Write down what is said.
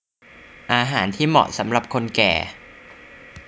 อาหารที่เหมาะสำหรับคนแก่